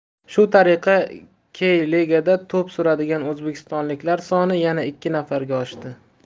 shu tariqa key ligada to'p suradigan o'zbekistonliklar soni yana ikki nafarga oshdi